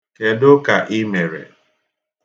Kèdụ́ kà í mèrè?